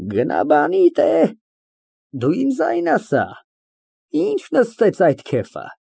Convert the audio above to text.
Գնա բանիդ։ Դու ինձ այն ասա, ի՞նչ նստեց այդ քեֆը։